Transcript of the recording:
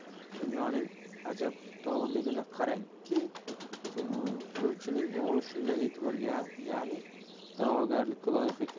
dunyoning ajabtovurligini qarang ki suvchining o'g'li shunday e'tiborga ya'ni da'vogarlikka loyiq ekan